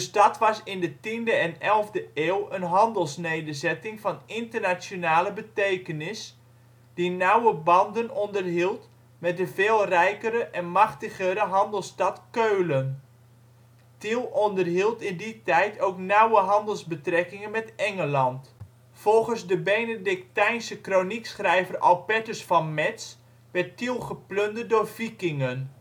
was in de 10e en 11e eeuw een handelsnederzetting van internationale betekenis, die nauwe banden onderhield met de veel rijkere en machtigere handelsstad Keulen. Tiel onderhield in die tijd ook nauwe handelsbetrekkingen met Engeland. Volgens de Benedictijnse kroniekschrijver Alpertus van Metz werd Tiel geplunderd door Vikingen